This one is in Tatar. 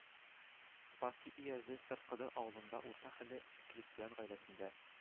Спасский өязе Сыркыды авылында урта хәлле крәстиян гаиләсендә